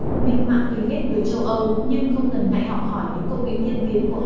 minh mạng tuy ghét người châu âu nhưng không ngần ngại học hỏi những công nghệ tiên tiến của họ